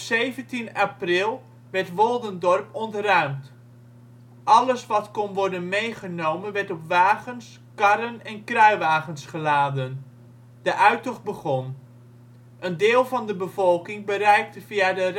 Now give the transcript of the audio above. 17 april werd Woldendorp ontruimd. Alles wat kon worden meegenomen werd op wagens, karren en kruiwagens geladen. De uittocht begon. Een deel van de bevolking bereikte via de